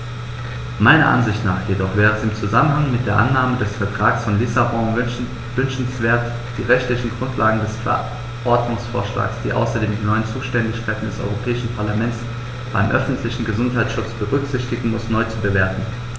Meiner Ansicht nach jedoch wäre es im Zusammenhang mit der Annahme des Vertrags von Lissabon wünschenswert, die rechtliche Grundlage des Verordnungsvorschlags, die außerdem die neuen Zuständigkeiten des Europäischen Parlaments beim öffentlichen Gesundheitsschutz berücksichtigen muss, neu zu bewerten.